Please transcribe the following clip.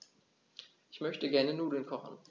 Ich möchte gerne Nudeln kochen.